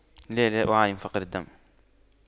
لا لا أعاني من فقر الدم